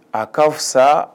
A ka fisa sa